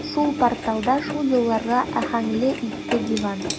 Сул порталда шул елларга аһәңле иске диван.